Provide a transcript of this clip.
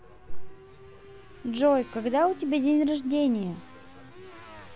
джой когда у тебя день рождения